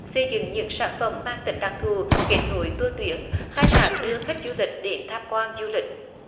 xây dựng những sản phẩm mang tính đặc thù kết nối tua tuyến khai thác đưa khách du lịch đến tham quan du lịch